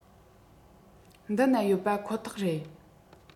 འདི ན ཡོད པ ཁོ ཐག རེད